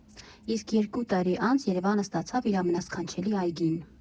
Իսկ երկու տարի անց Երևանը ստացավ իր ամենասքանչելի այգին։